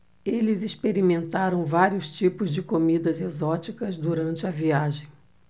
eles experimentaram vários tipos de comidas exóticas durante a viagem